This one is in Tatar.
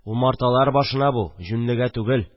Умарталар башына бу, җүнлегә түгел